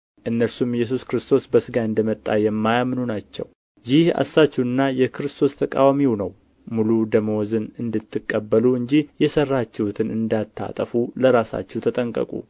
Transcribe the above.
እነርሱም ኢየሱስ ክርስቶስ በሥጋ እንደ መጣ የማያምኑ ናቸው ይህ አሳቹና የክርስቶስ ተቃዋሚው ነው ሙሉ ደመወዝን እንድትቀበሉ እንጂ የሠራችሁትን እንዳታጠፉ ለራሳችሁ ተጠንቀቁ